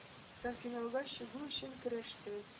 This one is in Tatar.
Һәм финалга чыгу өчен көрәштә